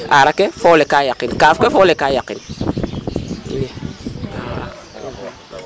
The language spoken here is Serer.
A aar ake foof le ka yaqin kaaf ke foof le ka yaqin i axa.